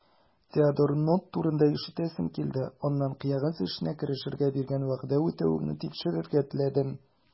Теодор Нотт турында ишетәсем килде, аннан кәгазь эшенә керешергә биргән вәгъдә үтәвеңне тикшерергә теләдем.